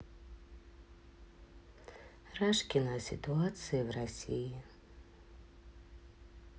рашкина о ситуации в россии